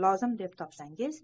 lozim deb topsangiz